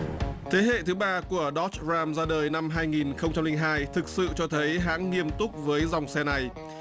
hệ thứ ba của đóc ram ra đời năm hai nghìn không trăm linh hai thực sự cho thấy hãng nghiêm túc với dòng xe này